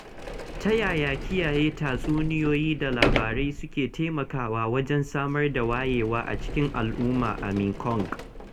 Ta yaya kiyaye tatsuniyoyi da labarai suke taimakawa wajen samar da wayewa a cikin al'umma a Mekong